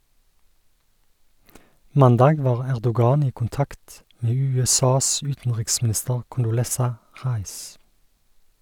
Mandag var Erdogan i kontakt med USAs utenriksminister Condoleezza Rice.